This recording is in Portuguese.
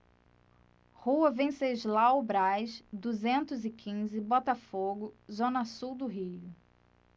rua venceslau braz duzentos e quinze botafogo zona sul do rio